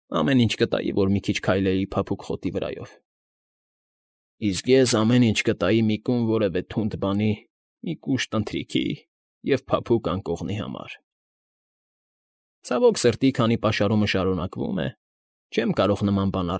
Ամեն ինչ կտայի, որ մի քիչ քայլեի փափուկ խոտի վրայով։ ֊ Իսկ ես ամեն ինչ կտայի մի կում որևէ թունդ բանի, մի կուշտ ընթրիքի ու փափուկ անկողնի համար… ֊ Ցավոք սրտի, քանի պաշարումը շարունակվում է, չեմ կարող նման բան։